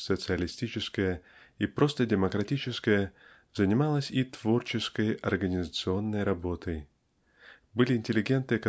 социалистическая и просто демократическая занималась и творческой организационной работой. Были интеллигенты